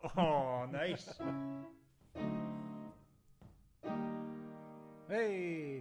O neis. Hei!